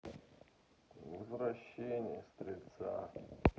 возвращение стрельца